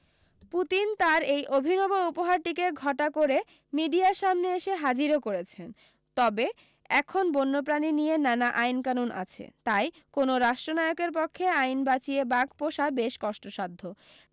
Putin তাঁর এই অভিনব উপহারটিকে ঘটা করে মিডিয়ার সামনে এনে হাজিরও করেছেন তবে এখন বন্যপ্রাণী নিয়ে নানা আইন কানুন আছে তাই কোনও রাষ্ট্রনায়কের পক্ষে আইন বাঁচিয়ে বাঘ পোষা বেশ কষ্টসাধ্য